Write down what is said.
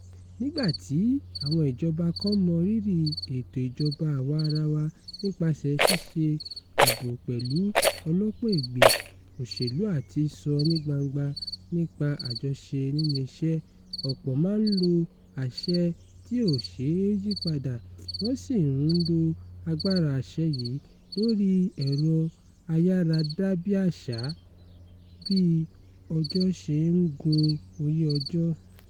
Nígbà tí àwọn ìjọba kan mọ rírì ètò ìjọba àwa-arawa nípasẹ̀ ṣíṣe ìbò pẹ̀lú ọlọ́pọ̀-ẹgbẹ́ òṣèlú àti sọ nígbangba nípa àjọṣe, nínú ìṣe, ọ̀pọ̀ máa ń lo àṣẹ tí ò ṣe é yí padà — wọ́n sì ń lo agbára àṣẹ yìí lórí ẹ̀rọ-ayárabíàṣá bí ọjọ́ ṣe ń gun orí ọjọ́.